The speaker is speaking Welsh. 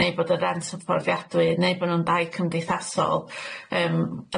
neu bod y rent yn fforddiadwy neu bo' nw'n dai cymdeithasol yym